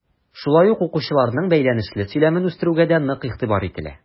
Шулай ук укучыларның бәйләнешле сөйләмен үстерүгә дә нык игътибар ителә.